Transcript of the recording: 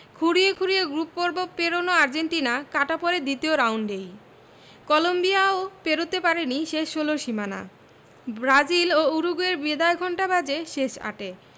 খুঁড়িয়ে খুঁড়িয়ে গ্রুপপর্ব পেরনো আর্জেন্টিনা কাটা পড়ে দ্বিতীয় রাউন্ডেই কলম্বিয়াও পেরোতে পারেনি শেষ ষোলোর সীমানা ব্রাজিল ও উরুগুয়ের বিদায়ঘণ্টা বাজে শেষ আটে